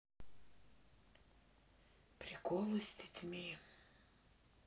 приколы с детьми